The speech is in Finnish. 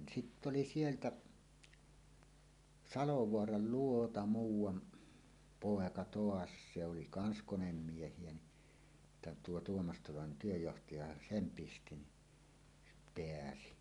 sitten oli sieltä Salovaaran luota muuan poika taas se oli kanssa konemiehiä niin sitten tuo Tuomas Tolonen työnjohtaja sen pisti niin pääsi